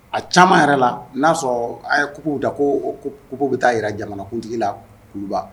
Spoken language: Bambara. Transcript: A caman yɛrɛ la na'a sɔrɔɔ a' ye coupe da koo o kup coupe bɛ taa jira jamanakuntigi la kuluba